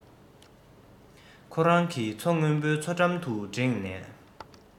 ཁོ རང གི མཚོ སྔོན པོའི མཚོ འགྲམ དུ འགྲེངས ནས